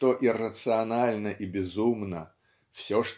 что иррационально и безумно все